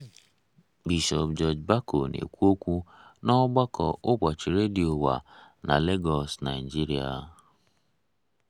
Bishọp George Bako na-ekwu okwu na ogbako ụbọchị redio ụwa na Lagos, Naịjirịa.